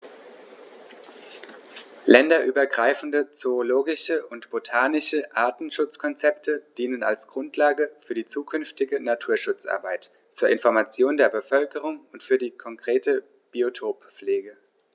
Länderübergreifende zoologische und botanische Artenschutzkonzepte dienen als Grundlage für die zukünftige Naturschutzarbeit, zur Information der Bevölkerung und für die konkrete Biotoppflege.